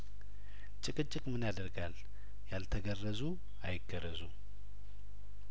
ጭቅጭቅምን ያደርጋል ያልተገረዙ አይገረዙ